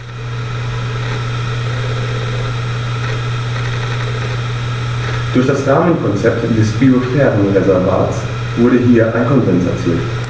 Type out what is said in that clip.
Durch das Rahmenkonzept des Biosphärenreservates wurde hier ein Konsens erzielt.